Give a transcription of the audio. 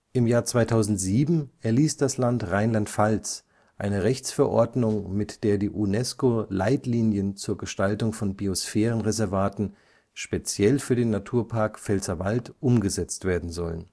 Im Jahre 2007 erließ das Land Rheinland-Pfalz eine Rechtsverordnung, mit der die UNESCO-Leitlinien zur Gestaltung von Biosphärenreservaten speziell für den Naturpark Pfälzerwald umgesetzt werden sollen